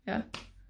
Ia?